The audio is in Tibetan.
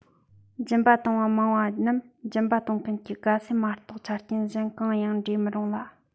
སྦྱིན པ བཏང བ མང བ རྣམས སྦྱིན པ གཏོང མཁན གྱི དགའ སེམས མ གཏོགས ཆ རྐྱེན གཞན གང ཡང འདྲེས མི རུང ལ